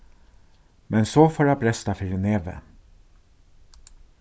men so fór at bresta fyri nevi